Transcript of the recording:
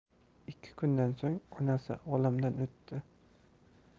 ikki kundan so'ng onasi olamdan o'tdi